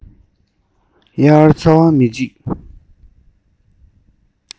དབྱར ཚ བར མི འཇིགས